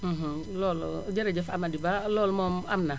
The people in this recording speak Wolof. loolu jërëjëf Amady Ba loolu moom am na